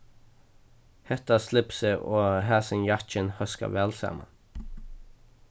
hetta slipsið og hasin jakkin hóska væl saman